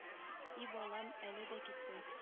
И балам әле дә киттең